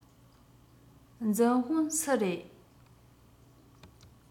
འཛིན དཔོན སུ རེད